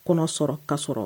Kɔnɔsɔrɔ kasɔrɔ